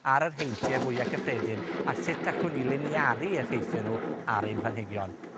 ar yr heintie fwya cyffredin, a sut allwn ni liniaru effeithie nw ar ein planhigion.